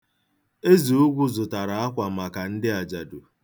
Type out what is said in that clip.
Ezeugwu zatara akwa maka ndị ajadu.